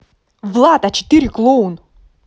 влад а четыре клоун